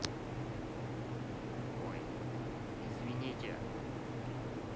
ой извините